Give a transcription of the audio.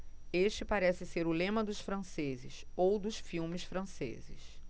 este parece ser o lema dos franceses ou dos filmes franceses